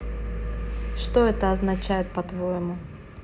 что это означает по твоему